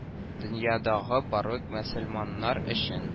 Дөньядагы барлык мөселманнар өчен